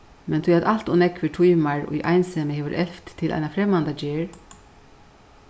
men tí at alt ov nógvir tímar í einsemi hevur elvt til eina fremmandagerð